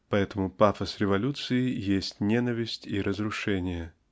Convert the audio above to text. поэтому пафос революции есть ненависть и разрушение.